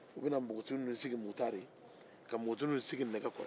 o bɛna npogotigi ninnu sigi mukutari ka npogotigi ninnu sigi nɛgɛ kɔrɔ